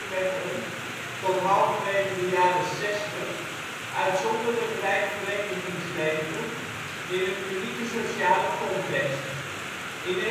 tot halverwege de jaren zestig, uitzonderlijk rijk verenigingsleven in een unieke sociale context. In 1964